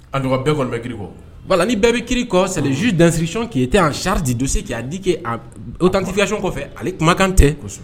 A bɛɛ kɔnɔ bɛ kiri kɔ ni bɛɛ bɛ kiri kɔ sazsu dansirisicɔn'e tɛ yan sariyari de donse k o tan kikikac kɔfɛ ale kumakan tɛ